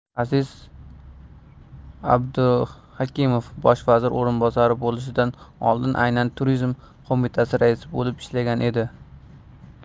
aziz abduhakimov bosh vazir o'rinbosari bo'lishidan oldin aynan turizm qo'mitasi raisi bo'lib ishlagan edi